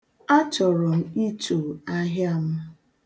A chọrọ m icho ahịa m.